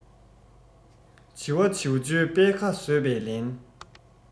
བྱི བ བྱིའུ འཇོལ པད ཁ ཟོས པས ལན